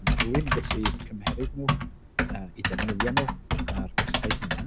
ma' rhywun yn gallu cymeryd nhw eu defnyddio nhw ar gostau eu hunain,